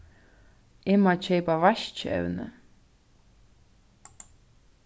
eg má keypa vaskievni